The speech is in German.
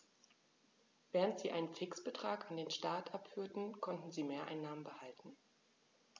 Während sie einen Fixbetrag an den Staat abführten, konnten sie Mehreinnahmen behalten.